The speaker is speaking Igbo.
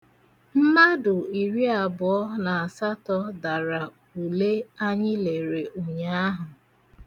Mmadụ iriabụọ na asatọ dara ule anyị lere ụnyaahụ.